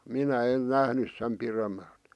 minä en nähnyt sen pidemmälle